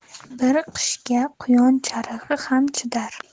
bir qishga quyon chorig'i ham chidar